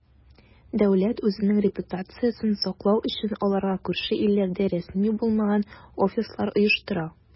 Дәүләт, үзенең репутациясен саклау өчен, аларга күрше илләрдә рәсми булмаган "офислар" оештыра.